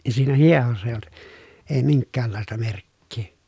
ja siinä hiehossa ei ollut ei minkäänlaista merkkiä